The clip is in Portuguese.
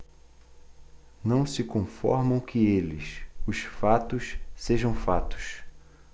não se conformam que eles os fatos sejam fatos